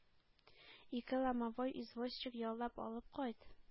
Ике ломовой извозчик яллап алып кайт!